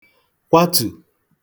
kwatù